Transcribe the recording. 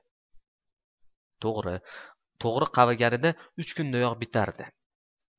to'g'ri qaviganida uch kundayoq bitardi